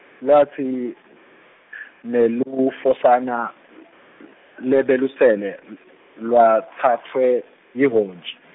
Lwatsi nelufosana l- l- lebelusele l- lwatsatfwa yihhontji.